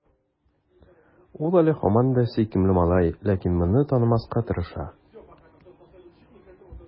Ул әле һаман да сөйкемле малай, ләкин моны танымаска тырыша.